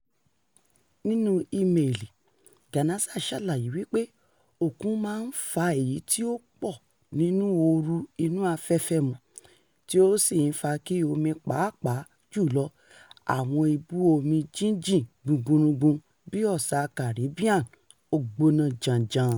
Nínú ímeèlì, Ganase ṣàlàyé wípé òkun máa ń fa èyí tí ó pọ̀ nínú ooru inú afẹ́fẹ́ mu, tí ó sì ń fa kí omi — pàápàá jù lọ àwọn ibú omi jínjìn gbungbunrungbun bíi Ọ̀sàa Caribbean — ó gbóná janjan.